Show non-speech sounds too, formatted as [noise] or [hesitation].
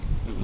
[hesitation] [hesitation]